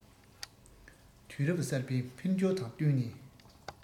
དུས རབ གསར པའི འཕེལ འགྱུར དང བསྟུན ནས